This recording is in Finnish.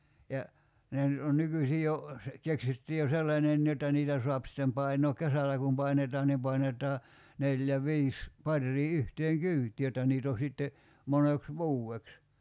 ja ne nyt on nykyisin jo - keksitty jo sellainenkin jotta niitä saa sitten painaa kesällä kun painetaan niin painetaan neljä viisi paria yhteen kyytiin jotta niitä on sitten moneksi vuodeksi